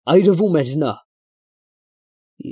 Այրվում էր նա։ ֊